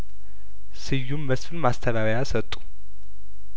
ስዩም መስፍን ማስተባበያሰጡ